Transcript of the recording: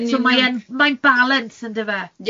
So ie so mae'n mae'n balance yndyfe?